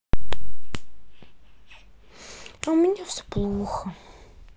а у меня все плохо